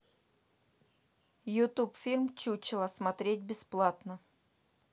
ютуб фильм чучело смотреть бесплатно